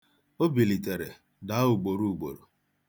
O bilitere, daa ugboruugboro.